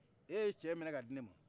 e y'i cɛ mina k'a di ne ma